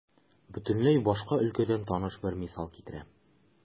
Бөтенләй башка өлкәдән таныш бер мисал китерәм.